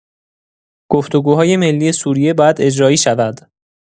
گفتگوهای ملی سوریه باید اجرایی شود.